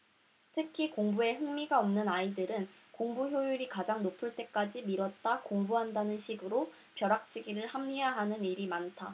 특히 공부에 흥미가 없는 아이들은 공부 효율이 가장 높을 때까지 미뤘다 공부한다는 식으로 벼락치기를 합리화하는 일이 많다